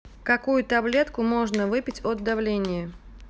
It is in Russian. какую таблетку можно выпить от давления